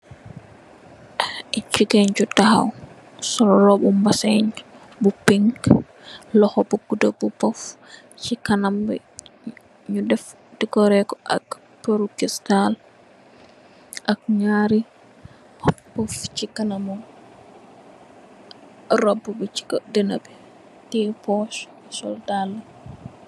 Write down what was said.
Jigeen bu tahaw sol roba mbasen bu pink luxo bu gudda bu puff, ci kanam nyu decoreku ak perr ri crystal ak nyarri puff ci kanamam. Robu bi ci kaw denabi, teyeh pose sol dalla.